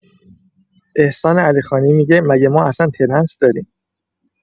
احسان علی خانی می‌گه مگه ما اصن ترنس داریم؟